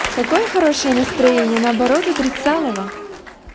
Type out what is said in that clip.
какое хорошее настроение наоборот отрицалово